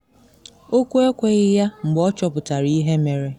Okwu ekweghị ya mgbe ọ chọpụtara ihe mere.